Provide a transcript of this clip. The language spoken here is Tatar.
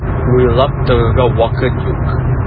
Уйлап торырга вакыт юк!